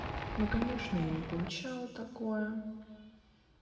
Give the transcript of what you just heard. ну конечно я не получила такое